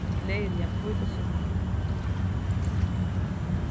gleðiliga hvítusunnu